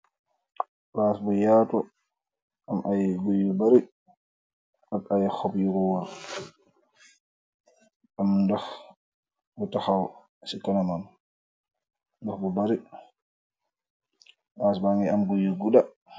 Palas bu yaatu am ay guy yu bari ak ay xob yu ko war am ndox bu taxaw ci kanamam ndox bu bari palas ba ngi am guy yu gudda.